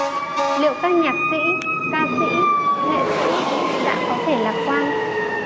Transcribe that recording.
liệu các nhạc sĩ ca sĩ nghệ sĩ đã có thể lạc quan